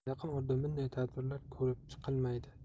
yaqin orada bunday tadbirlar ko'rib chqilmaydi